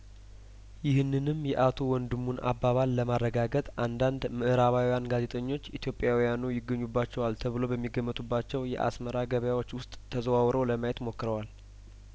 ይህንንም የአቶ ወንድሙን አባባል ለማረጋገጥ አንዳንድ ምእራባውያን ጋዜጠኞች ኢትዮጵያውያኑ ይገኙባቸዋል ተብሎ በሚገመቱባቸው የአስመራ ገበያዎች ውስጥ ተዘዋውረው ለማየት ሞክረዋል